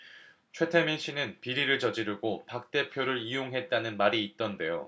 최태민씨는 비리를 저지르고 박 대표를 이용했다는 말이 있던데요